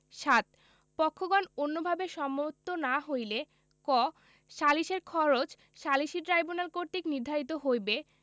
৭ পক্ষগণ অন্যভাবে সম্মত না হইলে ক সালিসের খরচ সালিসী ট্রাইব্যুনাল কর্তৃক নির্ধারিত হইবে